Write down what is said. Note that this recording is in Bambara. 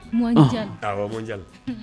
Aɔn ja